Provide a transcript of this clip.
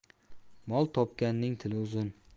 mol topganning tili uzun